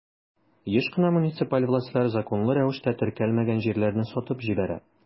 Еш кына муниципаль властьлар законлы рәвештә теркәлмәгән җирләрне сатып җибәрә.